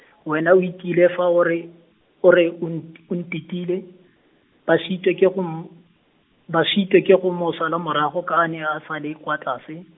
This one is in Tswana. wena o itiile fa o re, o re o nt-, o ntetile, ba sitwe ke go m-, ba sitwe ke go mo sala morago ka a ne a sale kwa tlase.